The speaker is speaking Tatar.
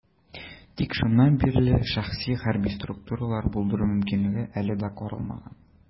Тик шуннан бирле шәхси хәрби структуралар булдыру мөмкинлеге әле дә каралмаган.